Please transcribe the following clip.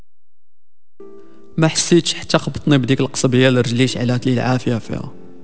محسن شخبطنا بدل قسم بالله ليش علاج العافيه فيها